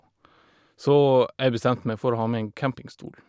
Så jeg bestemte meg for å ha med en campingstol.